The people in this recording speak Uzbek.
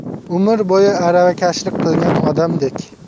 umr bo'yi aravakashlik qilgan odamdek